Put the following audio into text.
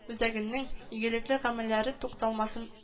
Үзәгенең игелекле гамәлләре тукталмасын